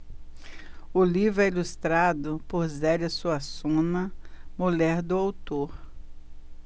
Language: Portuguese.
o livro é ilustrado por zélia suassuna mulher do autor